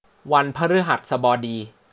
วันพฤหัสบดี